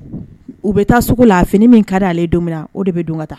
U bɛ taa sugu la, fini min ka d'a ye don min na o de bɛ don ka taa.